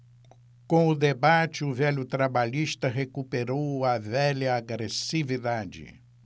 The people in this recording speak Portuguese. com o debate o velho trabalhista recuperou a velha agressividade